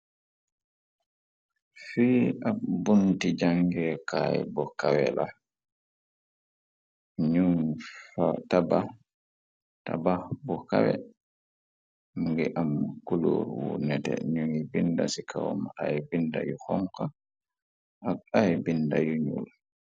fii ab bunti jangekaay bu kawe la ñu xtabax bu kawe ngi am kuloor wu nete ñu ngi bind ci kawama ay binda yu xomka ak ay binda yu ñul